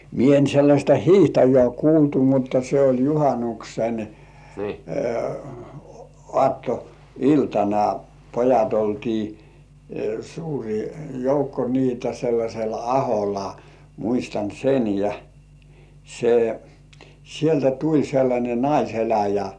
minä en sellaista hiihtäjää kuultu mutta se oli juhannuksen aattoiltana pojat oltiin suuri joukko niitä sellaisella aholla muistan sen ja se sieltä tuli sellainen naiseläjä